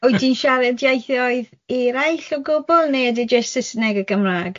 Wyt ti'n siarad ieithoedd eraill o gwbwl, neu ydy jyst Susneg a Cymraeg?